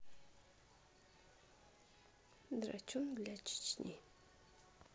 драчун для чечни